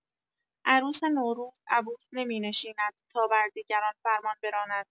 عروس نوروز، عبوس نمی‌نشیند تا بر دیگران فرمان براند.